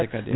décadaire